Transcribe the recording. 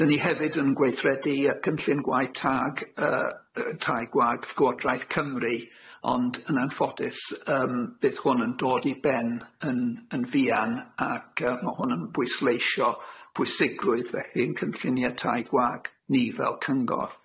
'Dyn ni hefyd yn gweithredu yy cynllun gwaith tag yy yy tai gwag Llywodraeth Cymru ond yn anffodus yym bydd hwn yn dod i ben yn yn fuan ac yy ma' hwn yn bwysleisho pwysigrwydd felly'n cynllunie tai gwag ni fel Cyngor.